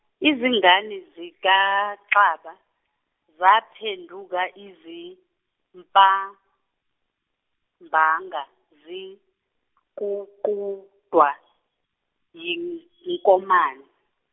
izingane zikaXaba, zaphenduka izimpabanga, ziququdwa, yin- yinkemane.